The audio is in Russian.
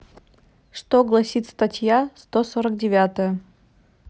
что гласит статья сто сорок девятая